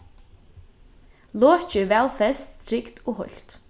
lokið er væl fest trygt og heilt